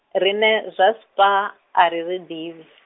riṋe zwa Spar, ari zwi nḓivhi .